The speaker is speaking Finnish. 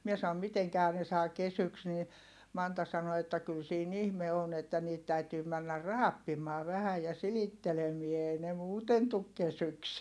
minä sanoin mitenkähän ne saa kesyksi niin Manta sanoi että kyllä siinä ihme on että niitä täytyy mennä raapimaan vähän ja silittelemään ei ne muuten tule kesyksi